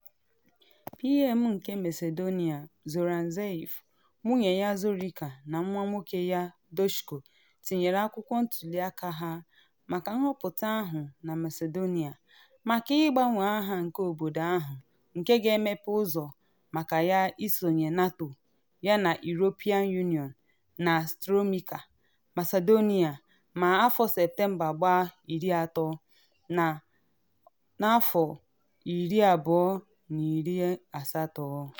PM nke Macedonia Zoran Zaev, nwunye ya Zorica na nwa nwoke ya Dushko tinyere akwụkwọ ntuli aka ha maka nhọpụta ahụ na Macedonia maka ịgbanwe aha nke obodo ahụ nke ga-emepe ụzọ maka ya isonye NATO yana Europenan Union in Strumica, Macedonia Septemba 30, 2018.